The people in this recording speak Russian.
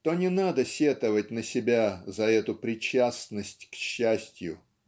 то не надо сетовать на себя за эту причастность к счастью